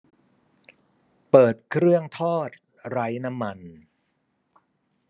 เปิดเครื่องทอดไร้น้ำมัน